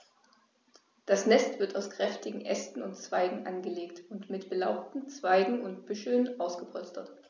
Das Nest wird aus kräftigen Ästen und Zweigen angelegt und mit belaubten Zweigen und Büscheln ausgepolstert.